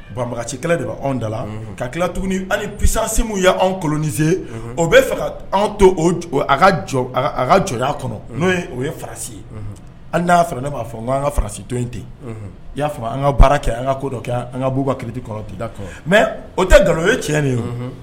Bansi kɛlɛ de bɛ anw da ka tila tugunisasinmu ye anw kolonise o bɛ fɛ anw to a ka jɔ kɔnɔ n'o o ye fasi ye an n'a sɔrɔ ne b'a fɔ n ko'an ka fasi don ten y'a fɔ an ka baara kɛ an ka ko dɔ kɛ an ka' uu ka kidi kɔnɔ di mɛ o tɛ nkalonlo ye cɛ de ye